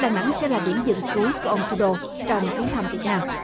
đà nẵng sẽ là điểm dừng cuối của ông tu đô trong chuyến thăm việt nam